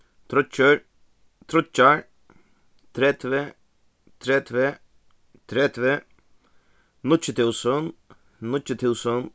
tríggir tríggjar tretivu tretivu tretivu níggju túsund níggju túsund